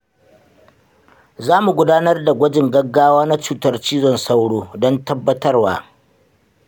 zamu gudanar da gwajin gaggawa na cutar cizon sauro don tabbatarwa.